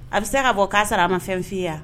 A bɛ se ka bɔ k'a sɔrɔ, a ma fɛn f'i ye wa?